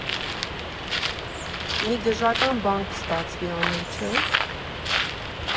Մի գժական բան կստացվի անել, չէ՞,